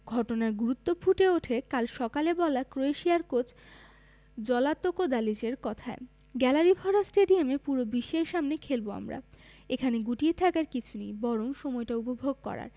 ঘটনার গুরুত্ব ফুটে ওঠে কাল সকালে বলা ক্রোয়েশিয়ার কোচ জ্লাতকো দালিচের কথায় গ্যালারিভরা স্টেডিয়ামে পুরো বিশ্বের সামনে খেলব আমরা এখানে গুটিয়ে থাকার কিছু নেই বরং সময়টা উপভোগ করার